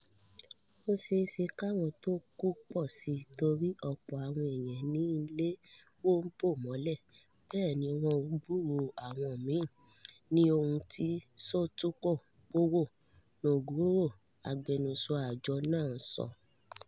”Ó ṣeéṣe k’áwọn t’ọ́n kú pọ̀ si torí ọ̀pọ̀ àwọn èèyàn ni ilé wò bò mọ́lẹ̀, bẹ́ẹ̀ ni wọn ‘ò gbúròó àwọn míì,” ni ohun tí Sutopo Purwo Nugroho, agbẹnusọ àjọ náà sọ.